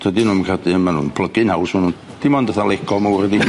Dydyn n'w'm rhydu ma' n'w'n plygu'n haws ma' n'w'n dim ond fatha Lego mowr ydi.